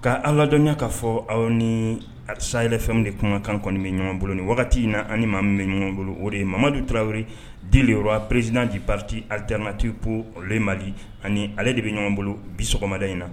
Ka ala ladɔnya k'a fɔ aw ni sayɛlɛfɛnw de kun kan kɔni bɛ ɲɔgɔn bolo ni wagati in na ni maa bɛ ɲɔgɔn bolo o de ye mamadu taraweleyo de pererizdina de pati alidrnatip olu mali ani ale de bɛ ɲɔgɔn bolo bi sɔgɔmada in na